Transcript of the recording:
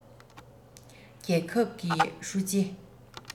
རྒྱལ ཁབ ཀྱི ཀྲུའུ ཞི